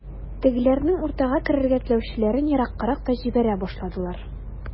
Тегеләрнең уртага керергә теләүчеләрен ераккарак та җибәрә башладылар.